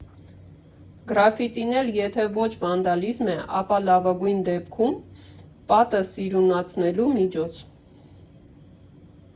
Գրաֆիտին էլ եթե ոչ վանդալիզմ է, ապա լավագույն դեպքում՝ պատը սիրունացնելու միջոց։